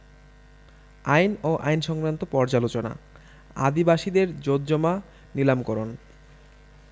আইন ও আইন সংক্রান্ত পর্যালোচনা আদিবাসীদের জোতজমা নীলামকরণ